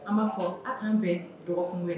An b'a fɔ aw k'an bɛn dɔgɔkun wele